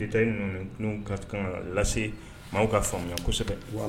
Detail ninnu nin u kan ka la se maaw k'a faamuya kosɛbɛ !